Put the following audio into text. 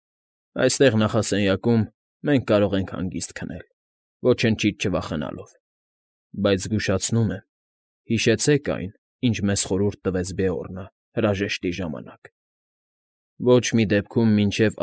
Այստեղ, նախասենյակում, մենք կարող ենք հանգիստ քնել, ոչնչից չվախենալով, բայց զգուշացնում եմ, հիշեցեք այն, ինչ մեզ խորհուրդ տվեց Բեորնը հրաժեշտի ժամանակ. ոչ մի դեպքում մինչև։